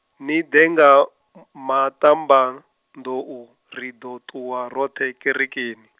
ni ḓe nga, maṱambanḓou ri ḓo ṱuwa roṱhe kerekeni.